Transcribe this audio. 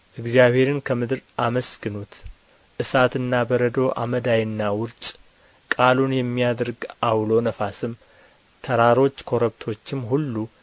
እግዚአብሔርን ከምድር አመስግኑት እሳትና በረዶ አመዳይና ውርጭ ቃሉን የሚያደርግ ዐውሎ ነፋስም ተራሮች ኰረብቶችም ሁሉ